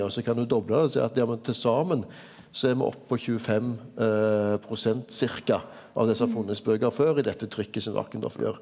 og så kan du dobla det og seie at ja men til saman så er me opp på 25 prosent ca. av det som har funnest bøker før i dette trykket som Valkendorf gjer.